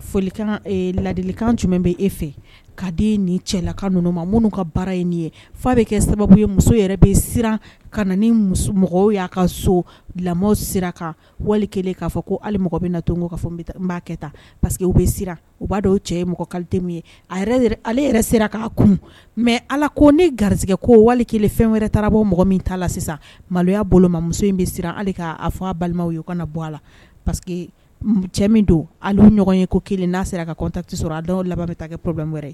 Foli ladilikan jumɛn bɛ e fɛ ka den nin cɛlalaka ninnu ma minnu ka baara ye nin ye f fa bɛ kɛ sababu muso yɛrɛ bɛ siran ka na mɔgɔw y'a ka so lamɔ kan wali k'a fɔ ko bɛ natɔ ko k'a'a kɛ taa pa que bɛ u b'a o cɛ ye mɔgɔ ye a yɛrɛ sera k'a kun mɛ ala ko ne garigɛ ko wali kelen fɛn wɛrɛ taara bɔ mɔgɔ min t taa la sisan malo y'a bolo muso in bɛ siran ale k'a fɔ' a balimaw ye' kana na bɔ a la pa cɛ min don ɲɔgɔn ye ko kelen n'a sera a kata tɛ sɔrɔ a dɔw laban bɛ taa kɛ p wɛrɛ ye